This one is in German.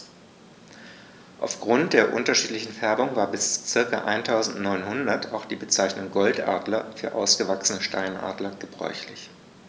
Auf Grund der unterschiedlichen Färbung war bis ca. 1900 auch die Bezeichnung Goldadler für ausgewachsene Steinadler gebräuchlich.